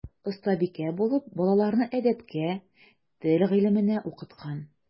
Остабикә булып балаларны әдәпкә, тел гыйлеменә укыткан.